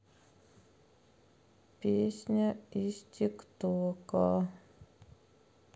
песня из тик тока